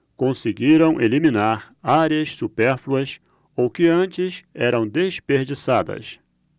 conseguiram eliminar áreas supérfluas ou que antes eram desperdiçadas